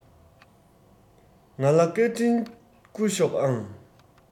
ང ལ སྐད འཕྲིན བསྐུར ཤོག ཨང